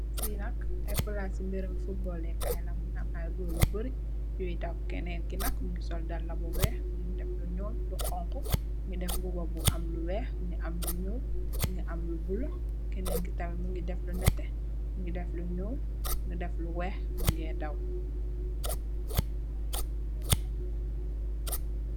Fiinak ayy palasi mbiram footballeh kayla gorr gu barri yuy daw. Kenen ki nak mungi sol dala bu wekh mungi deff lu nyul, lu xonxu, mungi deff mbuba bu am lu wekh, mungi am lu nyul mungi amlu Bula, kenen ki tamit mungi deff lu neteh, mungi deff lu nyul, mungi deff lu wekh mungi daw.